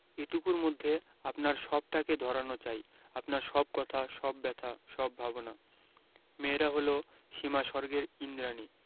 এটুকুর মধ্যে আপনার সবটাকে ধরানো চাই আপনার সব কথা সব ব্যাথা সব ভাবনা মেয়েরা হল সীমাস্বর্গের ঈন্দ্রাণী